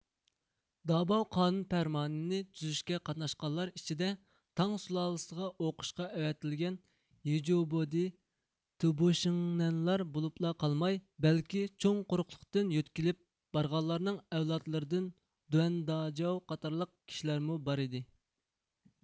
داباۋ قانۇن پەرمانى نى تۈزۈشكە قاتناشقانلار ئىچىدە تاڭ سۇلالىسىغا ئوقۇشقا ئەۋەتىلگەن يىجىبودى تۇبۇشىڭنەنلار بولۇپلا قالماي بەلكى چوڭ قۇرۇقلۇقتىن يۆتكىلىپ بارغانلارنىڭ ئەۋلادلىرىدىن دۇەن داجاۋ قاتارلىق كىشىلەرمۇ بار ئىدى